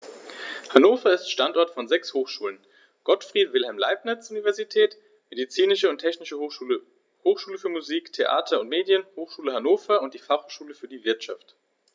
Hannover ist Standort von sechs Hochschulen: Gottfried Wilhelm Leibniz Universität, Medizinische und Tierärztliche Hochschule, Hochschule für Musik, Theater und Medien, Hochschule Hannover und die Fachhochschule für die Wirtschaft.